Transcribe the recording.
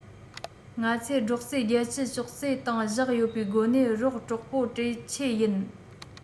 ང ཚོས སྒྲོག ཙེ བརྒྱད བཅུ ཅོག ཙེའི སྟེང བཞག ཡོད པའི སྒོ ནས རོགས གྲོགས པོ གྲོས མཆེད ཡིན